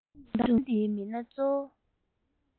སྒྲུང གཏམ འདིའི མི སྣ གཙོ བོ